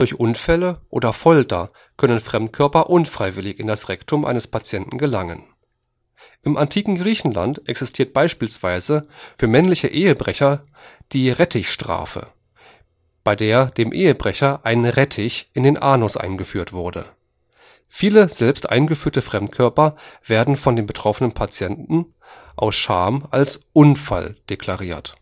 Unfälle oder Folter können Fremdkörper unfreiwillig in das Rektum eines Patienten gelangen. Im Antiken Griechenland existierte beispielsweise für männliche Ehebrecher die Rettichstrafe, bei der dem Ehebrecher ein Rettich in den Anus eingeführt wurde. Viele selbst eingeführte Fremdkörper werden von den betroffenen Patienten aus Scham als „ Unfall “deklariert